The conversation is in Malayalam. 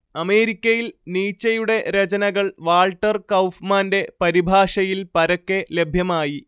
അമേരിക്കയിൽ നീച്ചയുടെ രചനകൾ വാൾട്ടർ കൗഫ്മാന്റെ പരിഭാഷയിൽ പരക്കെ ലഭ്യമായി